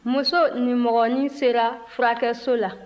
muso nimɔgɔnin sera furakɛso la